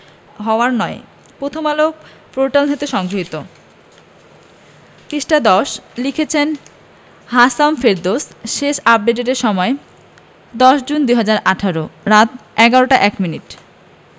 হওয়ার নয় প্রথমআলো পোর্টাল হতে সংগৃহীত লিখেছেন হাসাম ফেরদৌস শেষ আপডেটের সময় ১০ জুন ২০১৮ রাত ১১টা ১ মিনিট